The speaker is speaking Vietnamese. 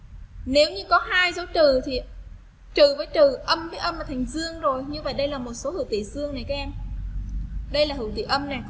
nếu có hai số trừ thì bình dương rồi nhưng đây là một số hữu tỉ dương này cho em